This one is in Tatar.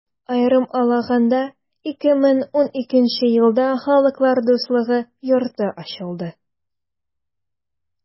Аерым алаганда, 2012 нче елда Халыклар дуслыгы йорты ачылды.